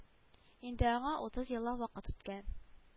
Инде аңа утыз еллап вакыт үткән